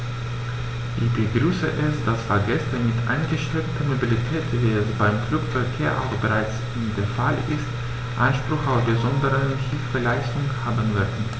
Ich begrüße es, dass Fahrgäste mit eingeschränkter Mobilität, wie es beim Flugverkehr auch bereits der Fall ist, Anspruch auf besondere Hilfeleistung haben werden.